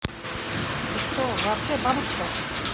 ты что вообще бабушка